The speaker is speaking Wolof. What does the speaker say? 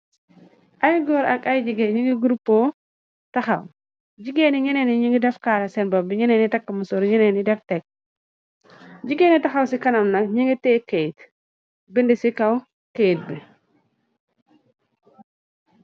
Ay goor ak jigeen nyingi goroppu taxaaw, jigeen yi nyeneen yi nyingi def kaala si bopp bi, nyenen yi tege musoor, nyeneen nyi def tegg, jigeen yu taxaw si kanam nak nyungi tiye kayit, binde si kaw kayit bi.